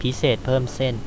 พิเศษเพิ่มเส้น